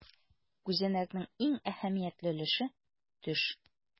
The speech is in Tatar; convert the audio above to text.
Күзәнәкнең иң әһәмиятле өлеше - төш.